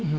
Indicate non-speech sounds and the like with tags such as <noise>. <hesitation> <hesitation>